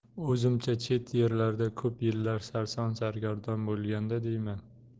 o'zimcha chet yerlarda ko'p yillar sarson sargardon bo'lganda deyman